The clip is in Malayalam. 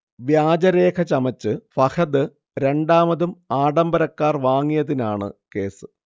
വ്യാജരേഖ ചമച്ച് ഫഹദ് രണ്ടാമതും ആഡംബര കാർ വാങ്ങിയതിനാണ് കേസ്